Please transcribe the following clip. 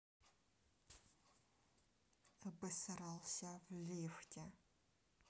обосрался в лифте